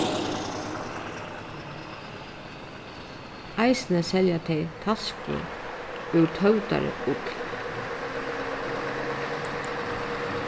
eisini selja tey taskur úr tøvdari ull